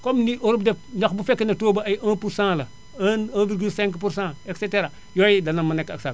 comme ni Europe def ndax bu fekkee ne taux ba ay 1% la 1 1,5% et cetera yooyu dana mën nekk ak ***